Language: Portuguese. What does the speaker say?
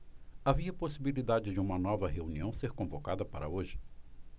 havia possibilidade de uma nova reunião ser convocada para hoje